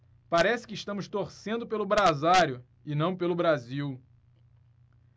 parece que estamos torcendo pelo brasário e não pelo brasil